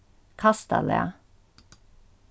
kastalag